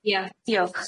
Ia, diolch.